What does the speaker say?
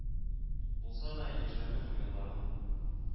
Булса да, яшьләрнең хыялларын